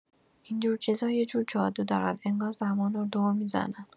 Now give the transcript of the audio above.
این جور چیزا یه جور جادو دارن، انگار زمان رو دور می‌زنن.